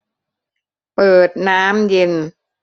เปิดน้ำเย็น